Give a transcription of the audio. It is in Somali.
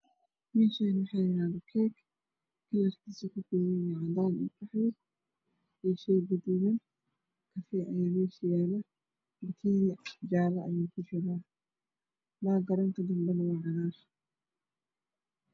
Meeshaani waxaa yaalo keek kalarkisa ka kooban yahay cadaan qaxwi kafee ayaa meesha yaalo bakeeri jaalo Aya ku jiro